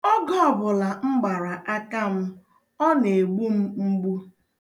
Oge ọbụla m gbara aka m, ọ na-egbu m mgbu.